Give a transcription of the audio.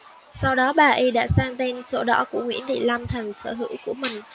sau đó bà y đã sang tên sổ đỏ của nguyễn thị lâm thành sở hữu của mình